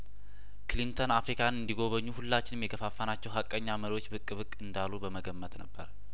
ክሊንተን አፍሪካን እንዲጐበኙ ሁላችንም የገፋፋናቸው ሀቀኛ መሪዎች ብቅ ብቅ እንዳሉ በመገመት ነበር